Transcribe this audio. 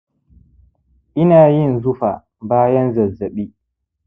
ina yin zufa bayan zazzaɓi.